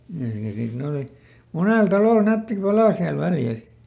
- ja sitten ne oli monella talolla nätti pala siellä Väljä